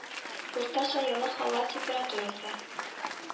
Уртача еллык һава температурасы